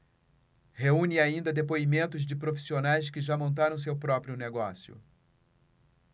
reúne ainda depoimentos de profissionais que já montaram seu próprio negócio